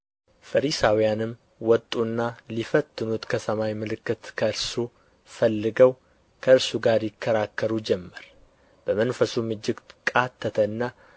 ፈሪሳውያንም ወጡና ሊፈትኑት ከሰማይ ምልክት ከእርሱ ፈልገው ከእርሱ ጋር ይከራከሩ ጀመር በመንፈሱም እጅግ ቃተተና